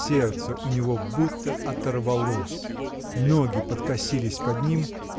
сердце у него будто оторвалось, ноги подкосились под ним.